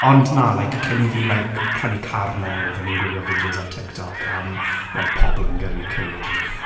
Ond, na, like, cyn i fi, like, prynu car newydd, o'n i'n gwylio fideos ar TikTok am, like, pobl yn gyrru ceir.